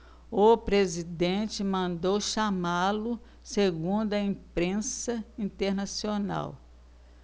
o presidente mandou chamá-lo segundo a imprensa internacional